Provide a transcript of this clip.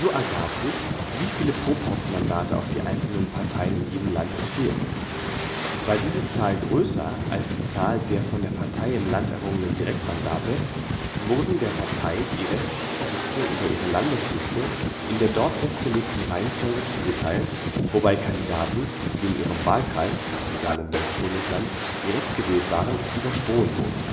ergab sich, wie viele Proporzmandate auf die einzelnen Parteien in jedem Land entfielen. War diese Zahl größer als die Zahl der von der Partei im Land errungenen Direktmandate, wurden der Partei die restlichen Sitze über ihre Landesliste in der dort festgelegten Reihenfolge zugeteilt, wobei Kandidaten, die in ihrem Wahlkreis (egal in welchem Bundesland) direkt gewählt waren, übersprungen wurden